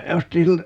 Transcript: ostin siltä